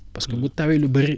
parce que bu tawee lu bëri